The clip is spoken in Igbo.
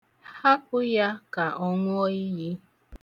Hapụ ya ka ọ ṅụọ iyi.